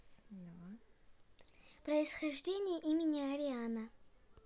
происхождение имени ариана